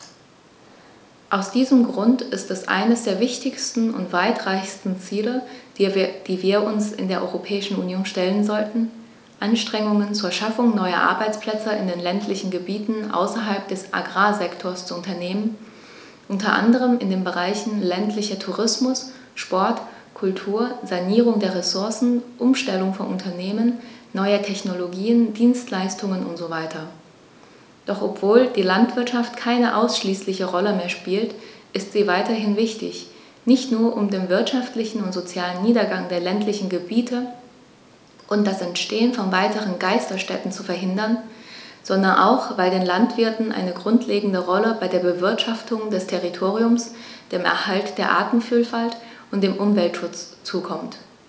Aus diesem Grund ist es eines der wichtigsten und weitreichendsten Ziele, die wir uns in der Europäischen Union stellen sollten, Anstrengungen zur Schaffung neuer Arbeitsplätze in den ländlichen Gebieten außerhalb des Agrarsektors zu unternehmen, unter anderem in den Bereichen ländlicher Tourismus, Sport, Kultur, Sanierung der Ressourcen, Umstellung von Unternehmen, neue Technologien, Dienstleistungen usw. Doch obwohl die Landwirtschaft keine ausschließliche Rolle mehr spielt, ist sie weiterhin wichtig, nicht nur, um den wirtschaftlichen und sozialen Niedergang der ländlichen Gebiete und das Entstehen von weiteren Geisterstädten zu verhindern, sondern auch, weil den Landwirten eine grundlegende Rolle bei der Bewirtschaftung des Territoriums, dem Erhalt der Artenvielfalt und dem Umweltschutz zukommt.